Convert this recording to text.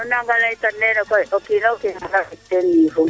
nda o nanga leytan nene koy o kiino kiin xana xaƴ teen yiifum